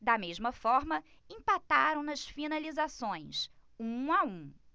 da mesma forma empataram nas finalizações um a um